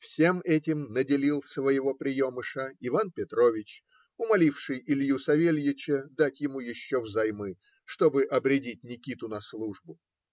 Всем этим наделил своего приемыша Иван Петрович, умоливший Илью Савельича дать ему еще взаймы, чтобы обрядить Никиту на службу.